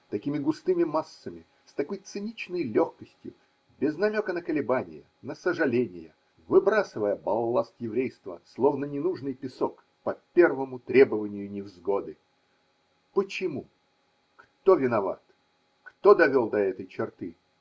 такими густыми массами, с такой циничной легкостью, без намека на колебания, на сожаления, выбрасывая балласт еврейства, словно ненужный песок, по первому требованию невзгоды? Почему? Кто виноват? Кто довел до этой черты?.